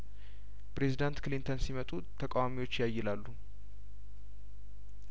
ፕሬዚዳንት ክሊንተን ሲመጡ ተቃዋሚዎች ያይላሉ